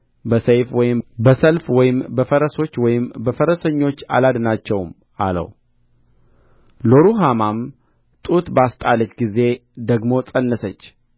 በሰይፍ ወይም በሰልፍ ወይም በፈረሶች ወይም በፈረሰኞች አላድናቸውም አለው ሎሩሃማም ጡት ባስጣለች ጊዜ ደግሞ ፀነሰች